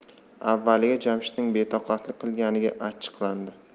avvaliga jamshidning betoqatlik qilganiga achchiqlandi